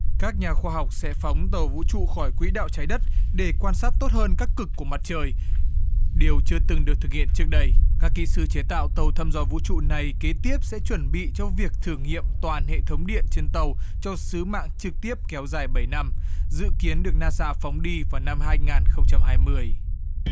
các nhà khoa học sẽ phóng tàu vũ trụ khỏi quỹ đạo trái đất để quan sát tốt hơn các cực của mặt trời điều chưa từng được thực hiện trước đây các kỹ sư chế tạo tàu thăm dò vũ trụ này kế tiếp sẽ chuẩn bị cho việc thử nghiệm toàn hệ thống điện trên tàu cho sứ mạng trực tiếp kéo dài bảy năm dự kiến được na sa phóng đi vào năm hai ngàn không trăm hai mươi